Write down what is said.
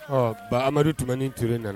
Ɔ ban amadu tun t nana